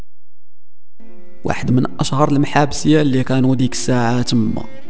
واحد من اشهر للمحابس ياللي قانون الساعه